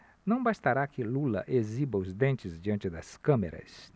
não bastará que lula exiba os dentes diante das câmeras